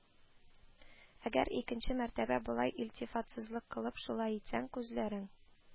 Әгәр икенче мәртәбә болай илтифатсызлык кылып, шулай итсәң, күзләрең